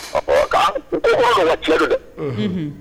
Ɔ ko cɛdu dɛ